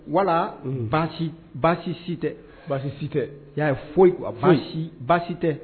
Wala baasi baasi si tɛ baasi si tɛ ye foyi a foyi si baasi tɛ